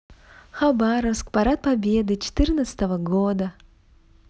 хабаровск парад победы четырнадцатого года